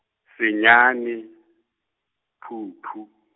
senyane, Phupu.